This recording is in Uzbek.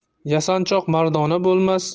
yasanchoq mardona bo'lmas